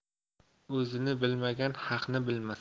o'zini bilmagan haqni bilmas